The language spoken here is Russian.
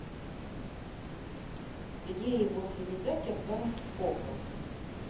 где его привязать аккаунт okko